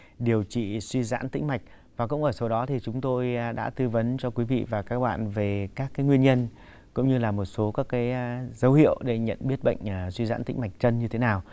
điều trị suy giãn tĩnh mạch và cũng ở số đó thì chúng tôi đã tư vấn cho quý vị và các bạn về các cái nguyên nhân cũng như là một số các cái dấu hiệu để nhận biết bệnh suy giãn tĩnh mạch chân như thế nào